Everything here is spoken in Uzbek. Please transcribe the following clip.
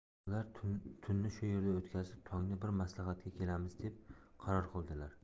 ular tunni shu yerda o'tkazib tongda bir maslahatga kelamiz deb qaror qildilar